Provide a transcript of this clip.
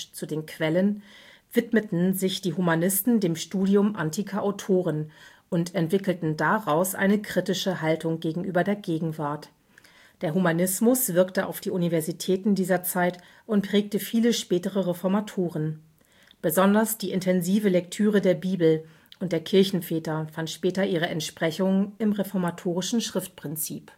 Zu den Quellen “) widmeten sich die Humanisten dem Studium antiker Autoren und entwickelten daraus eine kritische Haltung gegenüber der Gegenwart. Der Humanismus wirkte auf die Universitäten dieser Zeit und prägte viele spätere Reformatoren. Besonders die intensive Lektüre der Bibel und der Kirchenväter fand später ihre Entsprechung im reformatorischen Schriftprinzip